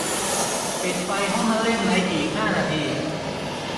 ปิดไฟห้องนั่งเล่นในอีกห้านาที